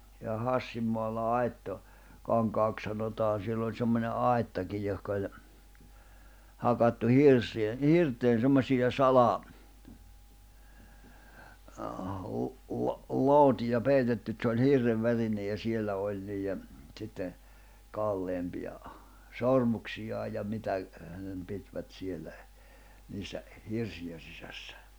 ja Hassin maalla - Aittokankaaksi sanotaan siellä oli semmoinen aittakin johon oli hakattu hirsien hirteen semmoisia --- lootia peitetty että se oli hirren värinen ja siellä oli niiden sitten kalleimpia sormuksia ja mitä hänen pitivät siellä niissä hirsien sisässä